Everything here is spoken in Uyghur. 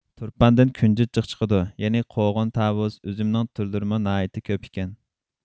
تۇرپاندىن كۈنجۈت جىق چىقىدۇ يەنە قوغۇن تاۋۇز ئۈزۈمنىڭ تۈرلىرىمۇ ناھايىتى كۆپ ئىكەن